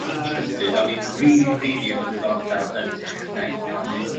intrested o'n i'n rili rili efo diddordab yn techneg canu